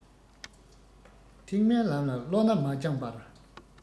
ཐེག དམན ལམ ལ བློ སྣ མ སྦྱངས པར